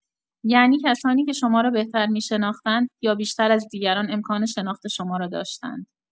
یعنی کسانی که شما را بهتر می‌شناختند یا بیشتر از دیگران امکان شناخت شما را داشتند.